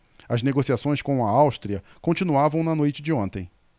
as negociações com a áustria continuavam na noite de ontem